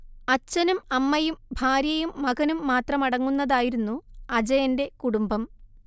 അച്ഛനും അമ്മയും ഭാര്യയും മകനും മാത്രമടങ്ങുന്നതായിരുന്നു അജയന്റെ കുടുംബം